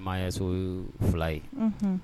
Maa yeso ye fila ye